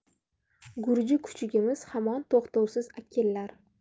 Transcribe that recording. gurji kuchugimiz hamon to'xtovsiz akillar